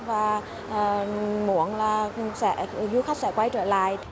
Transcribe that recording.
và muốn là sẽ du khách sẽ quay trở lại